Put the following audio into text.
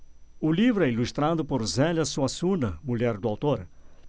o livro é ilustrado por zélia suassuna mulher do autor